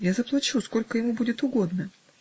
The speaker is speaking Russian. Я заплачу, сколько ему будет угодно".